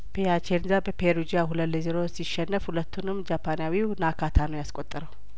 ፒያቼንዛ በፔሩጅያሁለት ለዜሮ ሲሸነፍ ሁለቱንም ጃፓናዊ ውናካታ ነው ያስቆጠረው